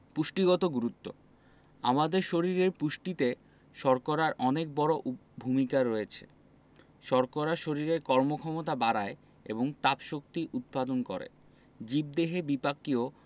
পুষ্টিগত গুরুত্ব আমাদের শরীরের পুষ্টিতে শর্করার অনেক বড় ভূমিকা রয়েছে শর্করা শরীরের কর্মক্ষমতা বাড়ায় এবং তাপশক্তি উৎপাদন করে জীবদেহে বিপাকীয়